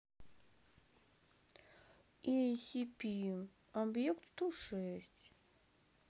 эй си пи объект сто шесть